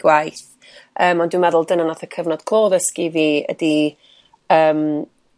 gwaith ymm ond dwi'n meddwl dyna nath y cyfnod clo ddysgu i fi ydi ymm